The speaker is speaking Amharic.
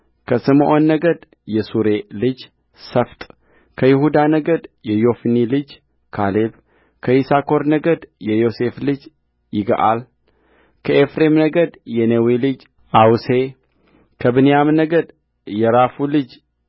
ከስምዖን ነገድ የሱሬ ልጅ ሰፈጥከይሁዳ ነገድ የዮፎኒ ልጅ ካሌብከይሳኮር ነገድ የዮሴፍ ልጅ ይግአልከኤፍሬም ነገድ የነዌ ልጅ አውሴከብንያም ነገድ የራፉ ልጅ